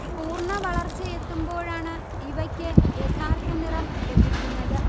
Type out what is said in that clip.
പൂർണ്ണവളർച്ചയെത്തുമ്പോഴാണ് ഇവക്ക് യഥാർത്ത നിറം ലഭിക്കുന്നത്